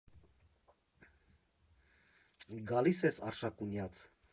֊ Գալի՞ս ես Արշակունյաց…